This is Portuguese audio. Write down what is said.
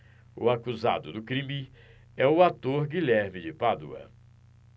o acusado do crime é o ator guilherme de pádua